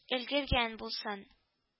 Өлгергән булсын